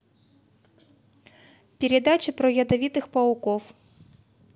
передача про ядовитых пауков